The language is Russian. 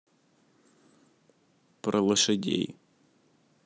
про лошадей